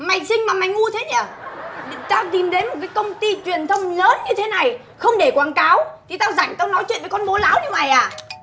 mày xinh mà mày ngu thế nhờ tao tìm đến một cái công ty truyền thông lớn như thế này không để quảng cáo thì tao rảnh tao nói chuyện với con bố láo như mày à